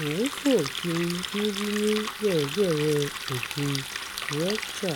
ó ń fò kiri níbi ní gẹ̀rẹ́gẹ̀rẹ́ òkè Rekcha.